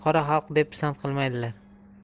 xalq deb pisand qilmaydilar